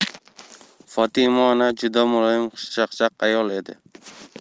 fotima ona juda muloyim xushchaqchaq ayol edi